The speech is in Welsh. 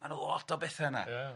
Ma' 'na lot o bethe yna. Ia.